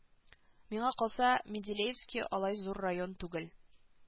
Миңа калса менделеевски алай зур район түгел